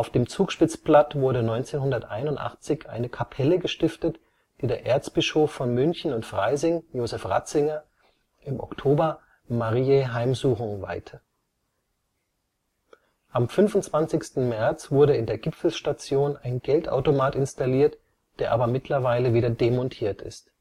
dem Zugspitzplatt wurde 1981 eine Kapelle gestiftet, die der Erzbischof von München und Freising, Josef Ratzinger, im Oktober Mariä Heimsuchung weihte. Am 25. März wurde in der Gipfelstation ein Geldautomat installiert, der aber mittlerweile wieder demontiert ist